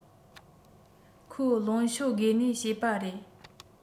ཁོའི རླུང ཤོ རྒས ནས བྱས པ རེད